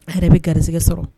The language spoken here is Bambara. A yɛrɛ bɛ garisigɛ sɔrɔ